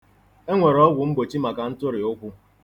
E nwere ọgwụ mgbochi maka ntụrịụkwụ.